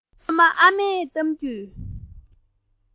སྔོན མ ཨ མས གཏམ རྒྱུད